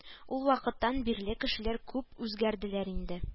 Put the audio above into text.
Ул вакыттан бирле кешеләр күп үзгәрделәр инде